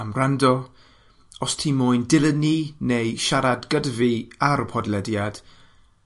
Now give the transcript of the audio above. am wrando. Os ti moyn dilyn ni neu siarad gyda fi a'r y podlediad,